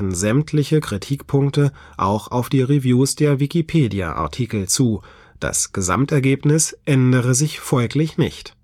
sämtliche Kritikpunkte auch auf die Reviews der Wikipedia-Artikel zu, das Gesamtergebnis ändere sich folglich nicht